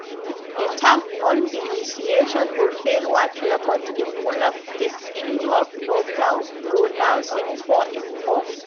The term “non-denunciation” or ” failure to report” in Wolof is ndeup neupal (pronounced “n-puh n-puh”).